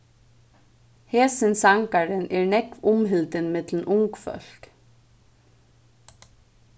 hesin sangarin er nógv umhildin millum ungfólk